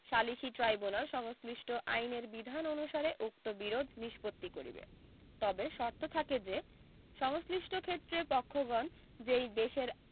সালিসী ট্রাইব্যুনাল সংশ্লিষ্ট আইনের বিধান অনুসারে উক্ত বিরোধ নিষ্পত্তি করিবে তবে শর্ত থাকে যে সংশ্লিষ্ট ক্ষেত্রে পক্ষগণ যেই দেশের